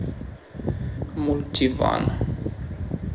мультиван